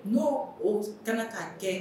N o tan'a kɛ